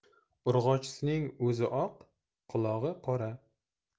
urg'ochisining o'zi oq qulog'i qora